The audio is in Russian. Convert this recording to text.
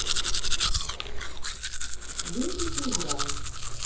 винтики игра